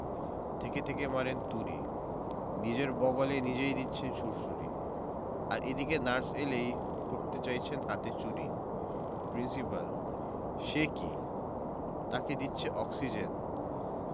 থেকে থেকে মারেন তুড়ি নিজের বগলে নিজেই দিচ্ছেন সুড়সুড়ি আর এদিকে নার্স এলেই পরতে চাইছেন হাতে চুড়ি প্রিন্সিপাল সে কি তাকে দিচ্ছে অক্সিজেন